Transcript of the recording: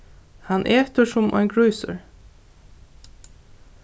hann etur sum ein grísur